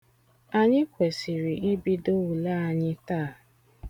Anyị kwesịrị ibido ule anyị taa.